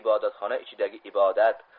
ibodatxona ichidagi ibodat